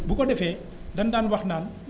bu ko defee dañ daan wax naan